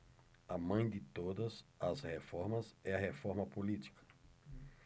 a mãe de todas as reformas é a reforma política